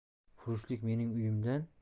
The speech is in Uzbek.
furushlik mening uyimdan